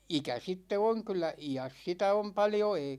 ikä sitten on kyllä iässä sitä on paljon ei